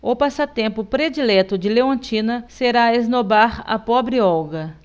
o passatempo predileto de leontina será esnobar a pobre olga